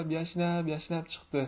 yashnab yashnab chiqdi